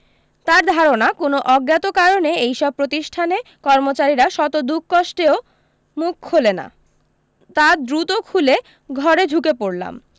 তার ধারণা কোনো অজ্ঞাত কারণে এই সব প্রতিষ্ঠানে কর্মচারীরা শত দুখ কষ্টেও মুখ খোলে না তা দ্রুত খুলে ঘরে ঢুকে পড়লাম